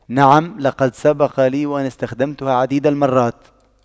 نعم لقد سبق لي وأن استخدمتها عديد المرات